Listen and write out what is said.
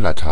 lat.